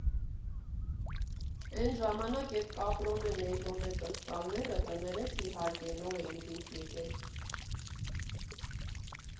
Էն ժամանակ էտ կապրոնե, նեյլոնե կրծկալները, կներես իհարկե, նոր էին դուրս էկել։